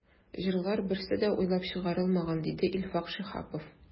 “җырлар берсе дә уйлап чыгарылмаган”, диде илфак шиһапов.